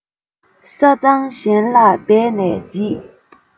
ས གཙང གཞན ལ འབད ནས འབྱིད